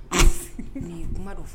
N ye kuma dɔw fɔ